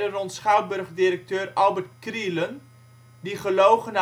rond schouwburgdirecteur Albert Krielen, die gelogen